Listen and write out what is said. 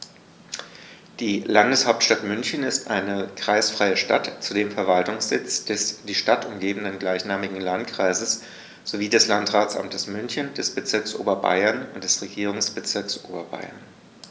Die Landeshauptstadt München ist eine kreisfreie Stadt, zudem Verwaltungssitz des die Stadt umgebenden gleichnamigen Landkreises sowie des Landratsamtes München, des Bezirks Oberbayern und des Regierungsbezirks Oberbayern.